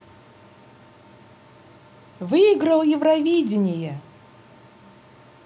выиграл евровидение